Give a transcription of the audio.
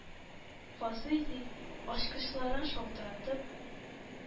Казый!..-дип, ачкычларын шалтыратып,